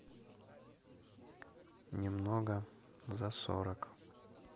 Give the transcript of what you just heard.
немного за сорок